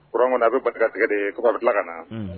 Courant Kɔni a bɛ bala ka tigɛ dee kɔfɛ a bɛ tila ka na. Unhun.